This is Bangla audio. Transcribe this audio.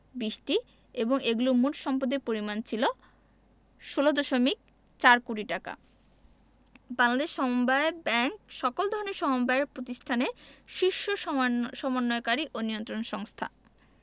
২০টি এবং এগুলোর মোট সম্পদের পরিমাণ ছিল ১৬দশমিক ৪ কোটি টাকা বাংলাদেশ সমবায় ব্যাংক সকল ধরনের সমবায় প্রতিষ্ঠানের শীর্ষ সমন্বয়কারী ও নিয়ন্ত্রণ সংস্থা